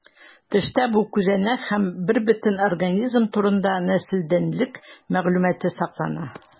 Төштә бу күзәнәк һәм бербөтен организм турында нәселдәнлек мәгълүматы саклана.